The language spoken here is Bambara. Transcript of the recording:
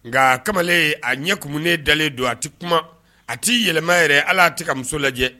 Nka kamalen a ɲɛ kunen dalen don a tɛ kuma a t tɛi yɛlɛma yɛrɛ ala a tɛ ka muso lajɛ